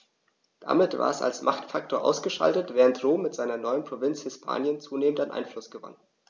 Damit war es als Machtfaktor ausgeschaltet, während Rom mit seiner neuen Provinz Hispanien zunehmend an Einfluss gewann.